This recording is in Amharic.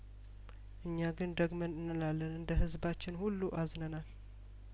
እኛ ግን ደግ መን እንላለን እንደህዝባችን ሁሉ አዝነናል